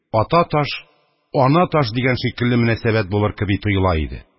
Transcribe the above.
«ата таш, ана таш» дигән шикелле мөнәсәбәт булыр кеби тоела иде.